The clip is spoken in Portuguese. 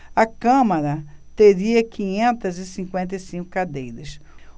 a câmara teria quinhentas e cinquenta e cinco cadeiras